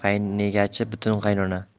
qaynegachi butun qaynona